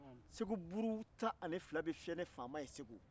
segu buru tan ani fila be fiyɛ ne faama ye segu